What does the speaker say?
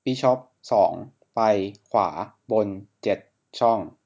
บิชอปสองไปขวาบนเจ็ดช่อง